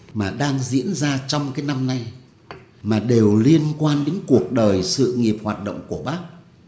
mà đang diễn ra trong cái năm nay mà đều liên quan đến cuộc đời sự nghiệp hoạt động của bác